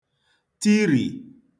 tirì